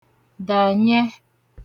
dànyẹ